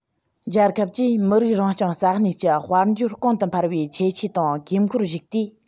རྒྱལ ཁབ ཀྱིས མི རིགས རང སྐྱོང ས གནས ཀྱི དཔལ འབྱོར གོང ཏུ འཕེལ བའི ཁྱད ཆོས དང དགོས མཁོར གཞིགས ཏེ